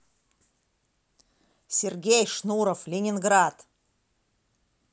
сергей шнуров ленинград